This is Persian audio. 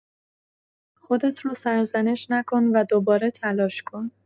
خودت رو سرزنش نکن و دوباره تلاش کن.